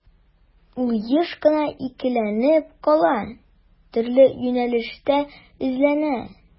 Ул еш кына икеләнеп кала, төрле юнәлештә эзләнә.